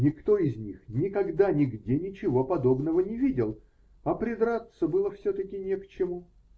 Никто из них никогда нигде ничего подобного не видел, а придраться было все-таки не к чему.